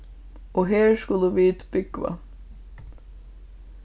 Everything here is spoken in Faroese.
og her skulu vit búgva